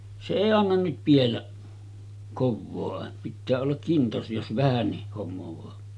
se ei anna nyt pidellä kovaa - pitää olla kinnas jos vähänkin hommaa